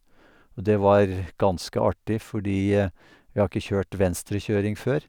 Og det var ganske artig fordi vi har ikke kjørt venstrekjøring før.